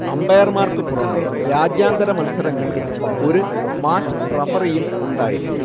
അമ്പയർമാർക്കു പുറമേ രാജ്യാന്തര മത്സരങ്ങളിൽ ഒരു മാച്ച് റഫറിയും ഉണ്ടായിരിക്കും